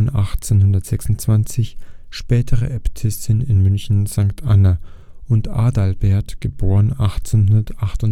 1826, spätere Äbtissin in München St. Anna) und Adalbert (* 1828